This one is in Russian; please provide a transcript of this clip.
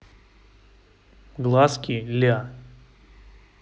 глазки ля